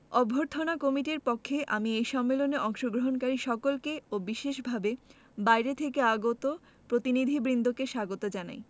অভ্যর্থনা কমিটির পক্ষে আমি এই সম্মেলনে অংশগ্রহণকারী সকলকে ও বিশেষভাবে বাইরে থেকে আগত প্রতিনিধিবৃন্দকে স্বাগত জানাই